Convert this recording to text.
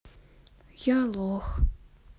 я лох